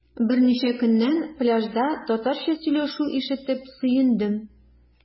Берничә көннән пляжда татарча сөйләшү ишетеп сөендем.